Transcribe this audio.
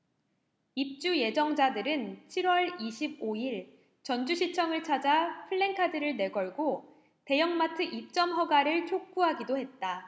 입주 예정자들은 칠 월 이십 오 일 전주시청을 찾아 플래카드를 내걸고 대형마트 입점 허가를 촉구하기도 했다